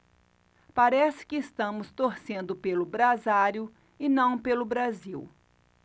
parece que estamos torcendo pelo brasário e não pelo brasil